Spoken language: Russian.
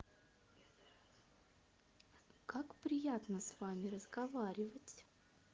как приятно с вами разговаривать